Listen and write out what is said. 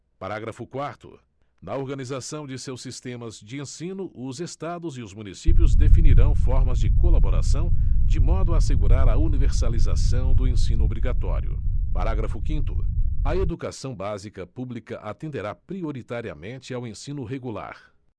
parágrafo quarto na organização de seus sistemas de ensino os estados e os municípios definirão formas de colaboração de modo a assegurar a universalização do ensino obrigatório parágrafo quinto a educação básica pública atenderá prioritariamente ao ensino regular